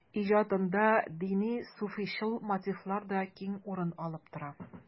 Иҗатында дини-суфыйчыл мотивлар да киң урын алып тора.